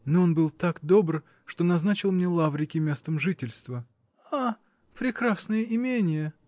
Но он был так добр, что назначил мне Лаврики местом жительства. -- А! прекрасное именье!